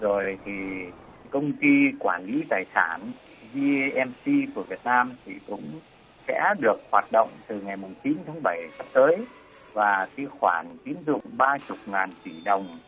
rồi thì công ty quản lý tài sản vi em xi của việt nam thì cũng sẽ được hoạt động từ ngày mùng chín tháng bảy sắp tới và cái khoản tín dụng ba chục ngàn tỷ đồng